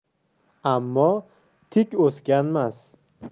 ammo tik o'sganmas